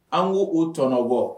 An k' o tɔnɔbɔ